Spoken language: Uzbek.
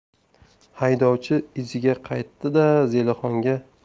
haydovchi iziga qaytdi da zelixonga